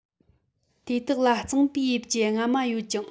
དེ དག ལ རྩངས པའི དབྱིབས ཀྱི རྔ མ ཡོད ཅིང